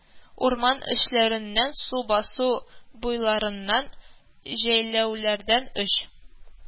Урман эчләреннән, су-басу буйларыннан, җәйләүләрдән өч